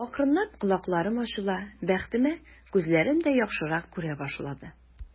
Акрынлап колакларым ачыла, бәхетемә, күзләрем дә яхшырак күрә башлады.